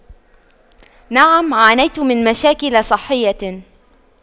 نعم عانيت من مشاكل صحية